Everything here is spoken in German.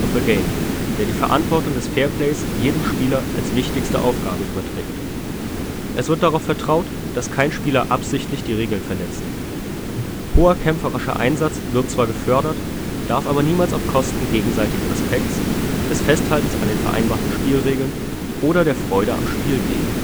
der die Verantwortung des Fair Plays jedem Spieler als wichtigste Aufgabe überträgt. Es wird darauf vertraut, dass kein Spieler absichtlich die Regeln verletzt. Hoher kämpferischer Einsatz wird zwar gefördert, darf aber niemals auf Kosten gegenseitigen Respekts, des Festhaltens an den vereinbarten Spielregeln oder der Freude am Spiel gehen